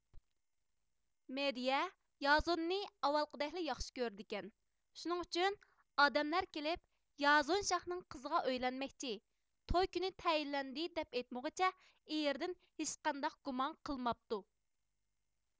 مېدېيە يازوننى ئاۋۋالقىدەكلا ياخشى كۆرىدىكەن شۇنىڭ ئۈچۈن ئادەملەر كېلىپ يازون شاھنىڭ قىزىغا ئۆيلەنمەكچى توي كۈن تەيىنلەندى دەپ ئېيتمىغۇچە ئېرىدىن ھېچقانداق گۇمان قىلماپتۇ